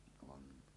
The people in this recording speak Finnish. on